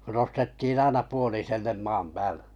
nostettiin aina puoliselle maan päälle